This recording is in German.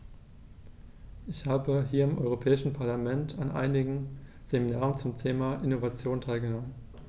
Ich habe hier im Europäischen Parlament an einigen Seminaren zum Thema "Innovation" teilgenommen.